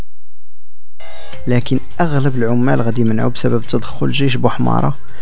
لكن اغلب العمال قديما وبسبب تدخل جيش بحماره